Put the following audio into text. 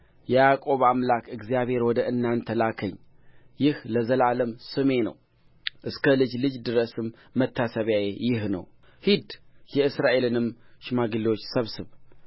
የያዕቆብም አምላክ እግዚአብሔር ወደ እናንተ ላከኝ ይህ ለዘላለሙ ስሜ ነው እስከ ልጅ ልጅ ድረስም መታሰቢያዬ ይህ ነው ሂድ የእስራኤልንም ሽማግሌዎች ሰብስብ